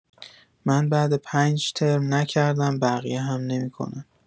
من‌بعد ۵ ترم نکردم بقیه هم نمی‌کنن